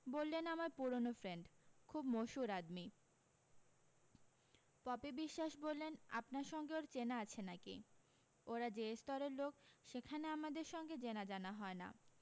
বললেন আমার পুরোনো ফ্রেন্ড খুব মসুর আদমী পপি বিশ্বাস বললেন আপনার সঙ্গে ওর চেনা আছে নাকি ওরা যে স্তরের লোক সেখানে আমাদের সঙ্গে চেনাজানা হয় না